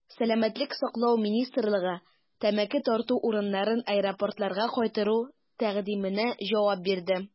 Сәламәтлек саклау министрлыгы тәмәке тарту урыннарын аэропортларга кайтару тәкъдименә җавап бирде.